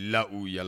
La y uu yala